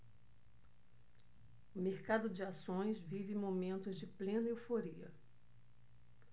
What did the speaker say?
o mercado de ações vive momentos de plena euforia